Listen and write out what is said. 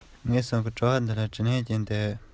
ཁྱིམ གྱི རྒད པོ ལ ལྟ སྐབས